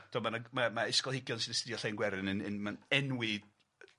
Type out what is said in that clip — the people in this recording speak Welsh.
...t'bo ma' n- ma' ma' ysgolheigion sy'n astudio llen Gwerin yn yn ma'n enwi yy